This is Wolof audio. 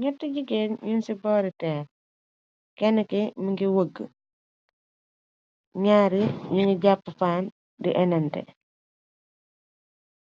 Ñett jégéen ñun ci boori teer, kenn ki mi ngi wëgg, ñaari ñu ngi jàpp faan di inante,